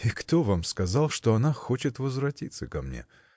И кто вам сказал, что она хочет возвратиться ко мне?